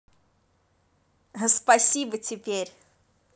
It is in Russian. спасиботеперь